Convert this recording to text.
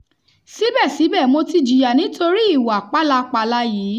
Síbẹ̀síbẹ̀, mo ti jìyà nítorí ìwà pálapàla yìí.